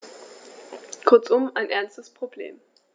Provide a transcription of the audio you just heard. Kurzum, ein ernstes Problem.